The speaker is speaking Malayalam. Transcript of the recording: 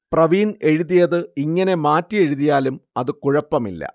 പ്രവീൺ എഴുതിയത് ഇങ്ങനെ മാറ്റി എഴുതിയാലും അത് കുഴപ്പമില്ല